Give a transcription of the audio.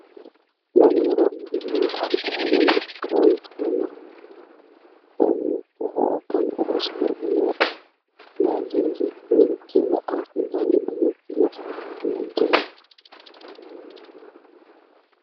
Waa wiilal oo joogaan garoon salax ah waxa ay wataan fanaanado buluu dilka waa reer cagaar ah